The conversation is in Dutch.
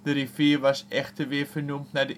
rivier was echter weer vernoemd naar